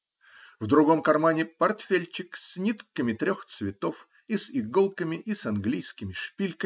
в другом кармане -- портфельчик с нитками трех цветов и с иголками и с английскими шпильками.